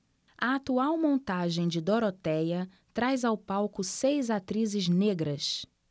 a atual montagem de dorotéia traz ao palco seis atrizes negras